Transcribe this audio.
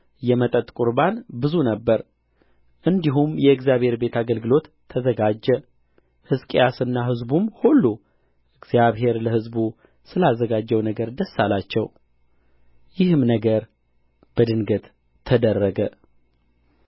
የመጠጥ ቍርባን ብዙ ነበረ እንዲሁም የእግዚአብሔር ቤት አገልግሎት ተዘጋጀ ሕዝቅያስና ሕዝቡም ሁሉ እግዚአብሔር ለሕዝቡ ስላዘጋጀው ነገር ደስ አላቸው ይህም ነገር በድንገት ተደረገ